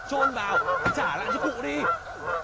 chôn vào trả lại cho cụ đi